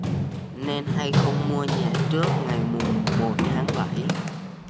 nên hay không mua nhà trước ngày mùng một tháng bảy